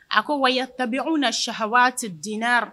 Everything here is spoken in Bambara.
A ko wa tabi anw na saha waa dinɛ